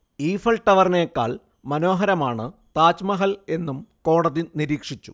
Eiffel ടവറിനെക്കാൾ മനോഹരമാണ് താജ്മഹൽ എന്നും കോടതി നിരീക്ഷിച്ചു